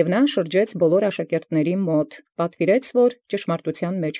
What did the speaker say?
և նորա շրջեալ զամենայն աշակերտաւքն, պատուիրեալ կալ ի ճշմարտութեանն։